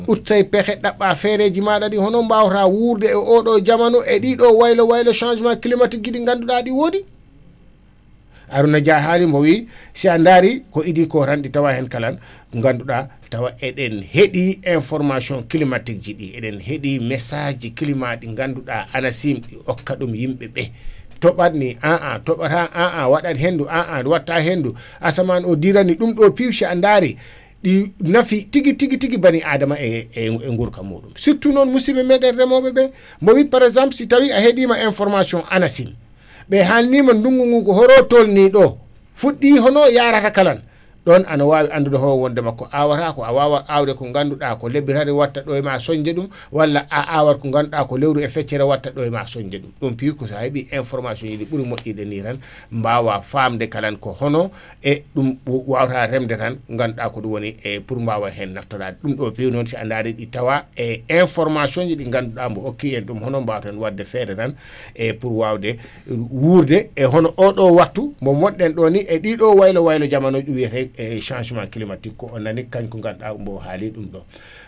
ut say pexe